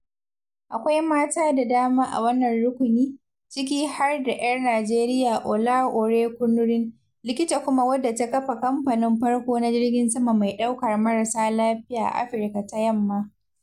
Akwai mata da dama a wannan rukuni, ciki har da 'yar Najeriya Ola Orekunrin, likita kuma wadda ta kafa kamfanin farko na jirgin sama mai ɗaukar marasa lafiya a Afirka ta Yamma.